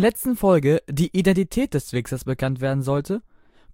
letzten Folge die Identität des Wixxers bekannt werden sollte,